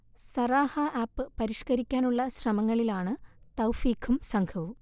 Sarahah app പരിഷ്കരിക്കാനുള്ള ശ്രമങ്ങളിലാണ് തൗഫീഖും സംഘവും